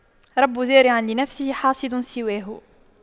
رب زارع لنفسه حاصد سواه